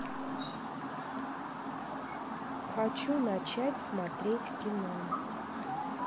хочу начать смотреть кино